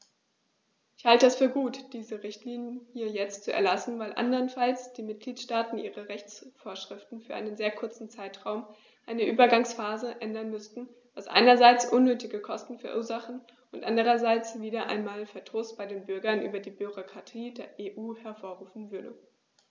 Ich halte es für gut, diese Richtlinie jetzt zu erlassen, weil anderenfalls die Mitgliedstaaten ihre Rechtsvorschriften für einen sehr kurzen Zeitraum, eine Übergangsphase, ändern müssten, was einerseits unnötige Kosten verursachen und andererseits wieder einmal Verdruss bei den Bürgern über die Bürokratie der EU hervorrufen würde.